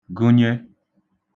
gụnye